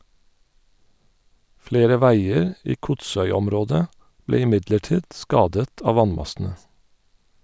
Flere veier i Kotsøyområdet ble imidlertid skadet av vannmassene.